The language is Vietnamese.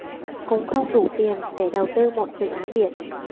cũng không đủ tiền để đầu tư một dự án điện